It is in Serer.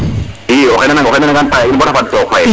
i o xena ngan tailler in bata faad took xaye